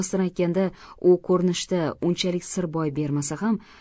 rostini aytganda u ko'rinishda unchalik sir boy bermasa ham